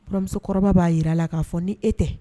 Buramusokɔrɔba b'a jira a la k'a fɔ ni e tɛ